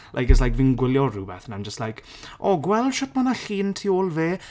Like it's like fi'n gwylio rhywbeth and I'm just like "o gweld shwt ma' 'na llun tu ôl fe?"